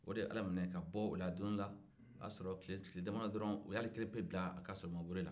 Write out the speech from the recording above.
o de ye ala minɛ ka b'o la don dɔ la a y'a sɔrɔ tile damadɔ dɔrɔn u y'a kelen pewu bila a ka solobure la